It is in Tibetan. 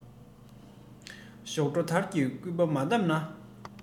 གཤོག སྒྲོ དར གྱིས སྐུད པས མ བསྡམས ན